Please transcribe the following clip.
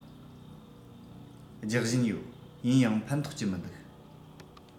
རྒྱག བཞིན ཡོད ཡིན ཡང ཕན ཐོགས ཀྱི མི འདུག